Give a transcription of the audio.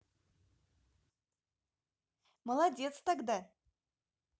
молодец тогда